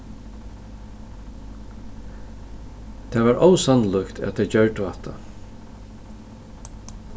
tað var ósannlíkt at tey gjørdu hatta